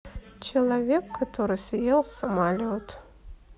человек который съел самолет